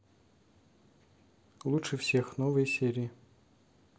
лучше всех новые серии